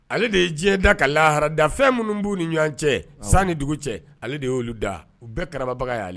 Ale de ye diɲɛ da ka lahara da fɛn minnu b'u ni ɲɔgɔn cɛ san ni dugu cɛ ale de y'olu da, u bɛɛ karabaga y’ale.